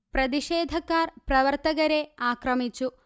പ്രതിഷേധക്കാർ പ്രവർത്തകരെ ആക്രമിച്ചു